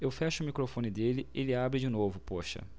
eu fecho o microfone dele ele abre de novo poxa